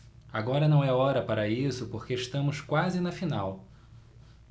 agora não é hora para isso porque estamos quase na final